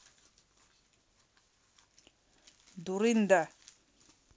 дурында